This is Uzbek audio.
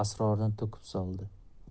asrorini to'kib soldi